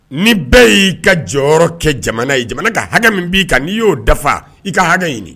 Ni bɛɛ y'i ka jɔyɔrɔ kɛ jamana ye, jamana ka hakɛ min b'i kan n'i y'o dafa i ka hakɛ ɲini.